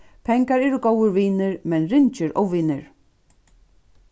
pengar eru góðir vinir men ringir óvinir